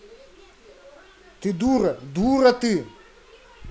ты дура дура ты